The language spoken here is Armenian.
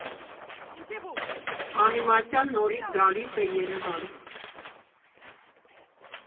Անիմացիան նորից գալիս է Երևան.